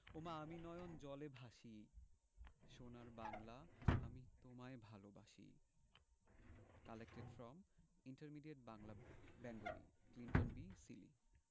ওমা আমি নয়ন জলে ভাসি সোনার বাংলা আমি তোমায় ভালবাসি collected from intermediate Bangla Bengali Clinton B Seely